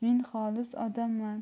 men xolis odamman